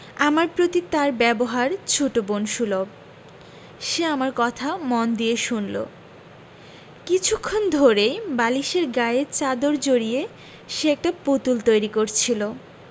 আমার প্রতি তার ব্যবহার ছোট বোন সুলভ সে আমার কথা মন দিয়ে শুনলো কিছুক্ষণ ধরে বালিশের গায়ে চাদর জড়িয়ে সে একটা পুতুল তৈরি করছিলো